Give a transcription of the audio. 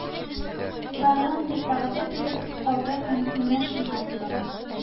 Бәгърем, дип, вәгъдә биреп калды һәм менә шуннан соң,